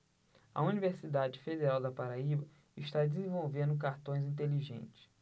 a universidade federal da paraíba está desenvolvendo cartões inteligentes